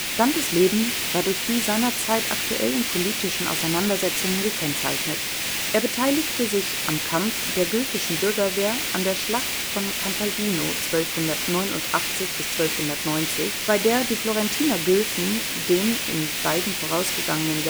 Dantes Leben war durch die seinerzeit aktuellen politischen Auseinandersetzungen gekennzeichnet. Er beteiligte sich am Kampf der guelfischen Bürgerwehr an der Schlacht von Campaldino (1289 – 1290), bei der die Florentiner Guelfen den in den beiden vorausgegangenen